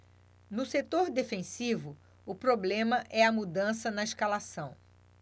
no setor defensivo o problema é a mudança na escalação